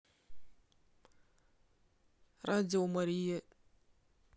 радио мария